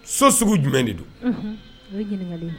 So sugu jumɛn de don